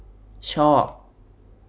ชอบ